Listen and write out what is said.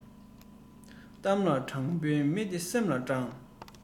གཏམ ལ དྲང བའི མི དེ སེམས ལ དྲང